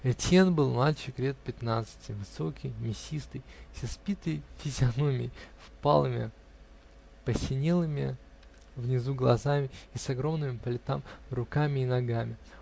Этьен был мальчик лет пятнадцати, высокий, мясистый, с испитой физиономией, впалыми, посинелыми внизу глазами и с огромными по летам руками и ногами